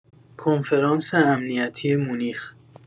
کنفرانس امنیتی مونیخ